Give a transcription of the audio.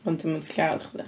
Ond dio'm methu lladd chdi?